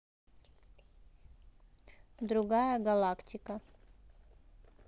другая галактика